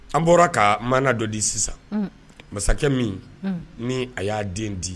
An bɔra ka mana dɔ di sisan, un, masakɛ min, un, ni a y'a den di